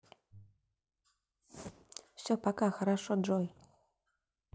все пока хорошо джой